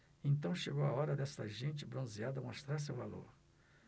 então chegou a hora desta gente bronzeada mostrar seu valor